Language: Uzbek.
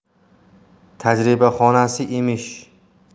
tajribaxonasi emish